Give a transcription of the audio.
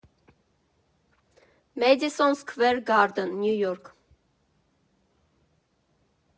Մեդիսոն Սքվեր Գարդեն, Նյու Յորք։